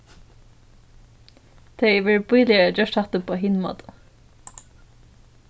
tað hevði verið bíligari at gjørt hatta upp á hin mátan